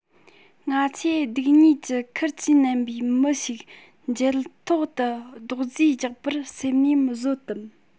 ང ཚོས སྡིག ཉེས ཀྱི ཁུར གྱིས མནན པའི མི ཞིག འགྱེལ ཐོག ཏུ རྡོག རྫིས རྒྱག པར སེམས ནས བཟོད དམ